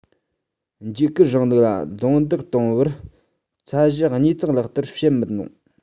འཇིགས སྐུལ རིང ལུགས ལ རྡུང རྡེག གཏོང བར ཚད གཞི ཉིས བརྩེགས ལག བསྟར བྱེད མི རུང